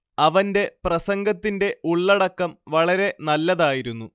അവന്റെ പ്രസംഗത്തിന്റെ ഉള്ളടക്കം വളരെ നല്ലതായിരുന്നു